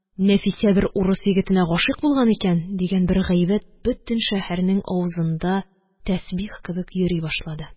«нәфисә бер урыс егетенә гашыйк булган икән» дигән бер гайбәт бөтен шәһәрнең авызында тәсбих кебек йөри башлады.